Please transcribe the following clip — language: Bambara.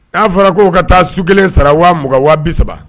N'a fɔra ko ka taa su 1 sara 20000, 23000